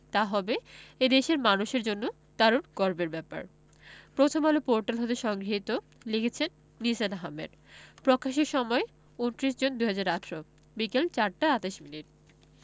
তা হবে এ দেশের মানুষের জন্য দারুণ গর্বের ব্যাপার প্রথমআলো পোর্টাল হতে সংগৃহীত লিখেছেন নিশাত আহমেদ প্রকাশের সময় ২৯ জুন ২০১৮ বিকেল ৪টা ২৮ মিনিট